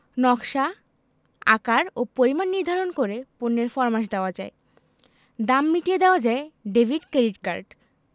নকশা আকার ও পরিমাণ নির্ধারণ করে পণ্যের ফরমাশ দেওয়া যায় দাম মিটিয়ে দেওয়া যায় ডেভিড ক্রেডিট কার্ড